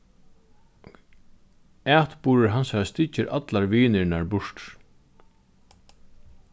atburður hansara styggir allar vinirnar burtur